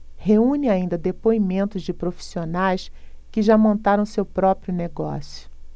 reúne ainda depoimentos de profissionais que já montaram seu próprio negócio